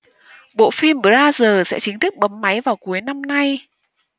bộ phim brothers sẽ chính thức bấm máy vào cuối năm nay